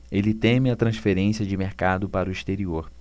ele teme a transferência de mercado para o exterior